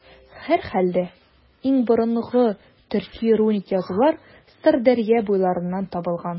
Һәрхәлдә, иң борынгы төрки руник язулар Сырдәрья буйларыннан табылган.